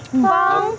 vâng